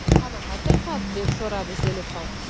qanaqa tilxat deb so'radi zelixon